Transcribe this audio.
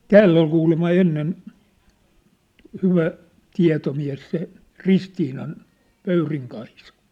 täällä oli kuulemma ennen hyvä tietomies se Ristiinan Pöyrin Kaisa